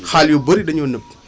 xaal yu bëri dañoo nëb